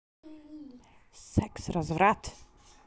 секс разврат